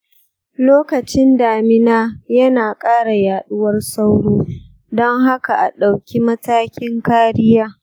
lokacin damina yana ƙara yaduwar sauro, don haka a ɗauki matakan kariya.